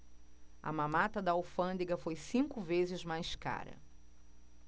a mamata da alfândega foi cinco vezes mais cara